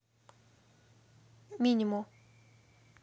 minimo